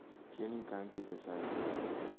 keling konkida sayr qilaylik